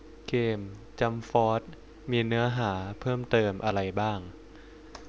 เกมจั้มฟอสมีเนื้อหาเพิ่มเติมอะไรบ้าง